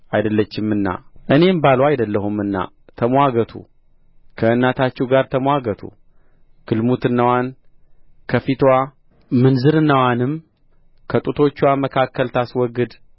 አይደለችምና እኔም ባልዋ አይደለሁምና ተምዋገቱ ከእናታችሁ ጋር ተምዋገቱ ግልሙትናዋን ከፊትዋ ምንዝርናዋንም ከጡቶችዋ መካከል ታስወግድ